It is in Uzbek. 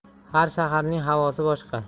har shaharning havosi boshqa